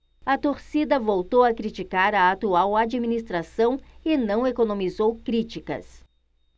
a torcida voltou a criticar a atual administração e não economizou críticas